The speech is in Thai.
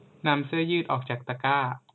นำเสื้อยืดออกจากตะกร้า